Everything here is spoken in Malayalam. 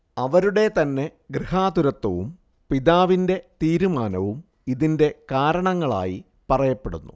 അവരുടെ തന്നെ ഗൃഹാതുരത്വവും പിതാവിന്റെ തീരുമാനവും ഇതിന്റെ കാരണങ്ങളായി പറയപ്പെടുന്നു